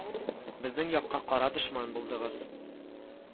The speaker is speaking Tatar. Безнең якка кара дошман булдыгыз